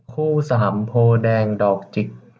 คู่สามโพธิ์แดงดอกจิก